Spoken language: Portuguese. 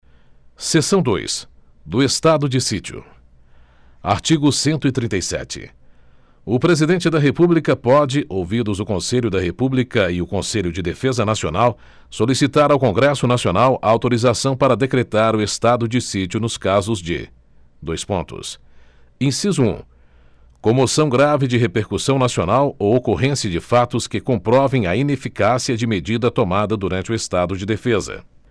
seção dois do estado de sítio artigo cento e trinta e sete o presidente da república pode ouvidos o conselho da república e o conselho de defesa nacional solicitar ao congresso nacional autorização para decretar o estado de sítio nos casos de dois pontos inciso um comoção grave de repercussão nacional ou ocorrência de fatos que comprovem a ineficácia de medida tomada durante o estado de defesa